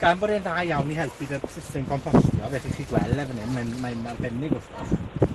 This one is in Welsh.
gan fod e'n dda iawn i helpu 'da'r system compostio. Fel chi 'llu gwel' e fan 'yn mae'n, mae'n arbennig o stwff.